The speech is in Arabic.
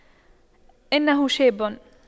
إنه شاب